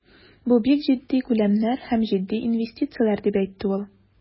Бу бик җитди күләмнәр һәм җитди инвестицияләр, дип әйтте ул.